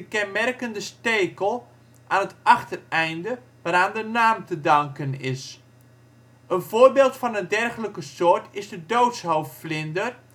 kenmerkende stekel aan het achtereinde waaraan de naam te danken is. Een voorbeeld van een dergelijke soort is de doodshoofdvlinder